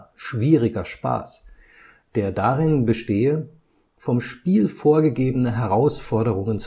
schwieriger Spaß “), der darin bestehe, vom Spiel vorgegebene Herausforderungen